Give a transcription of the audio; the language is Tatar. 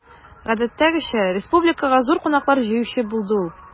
Гадәттәгечә, республикага зур кунаклар җыючы булды ул.